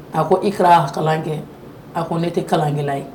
A ko i kɛra ata kɛ a ko ne tɛ kalan kelen ye